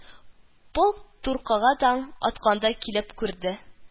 Полк Туркага таң атканда килеп күрде